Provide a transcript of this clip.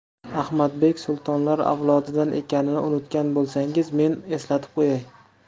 ahmadbek sultonlar avlodidan ekanini unutgan bo'lsangiz men eslatib qo'yay